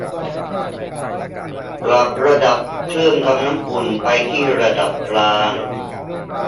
ปรับระดับเครื่องทำน้ำอุ่นไปที่ระดับกลาง